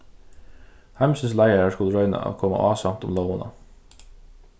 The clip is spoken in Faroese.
heimsins leiðarar skulu royna at koma ásamt um lógina